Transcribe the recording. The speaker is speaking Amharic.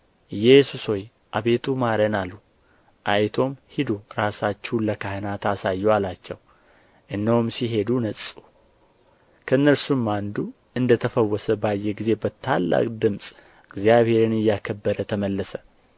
ኢየሱስ ሆይ አቤቱ ማረን አሉ አይቶም ሂዱ ራሳችሁን ለካህናት አሳዩ አላቸው እነሆም ሲሄዱ ነጹ ከእነርሱም አንዱ እንደ ተፈወሰ ባየ ጊዜ በታላቅ ድምፅ እግዚአብሔርን እያከበረ ተመለሰ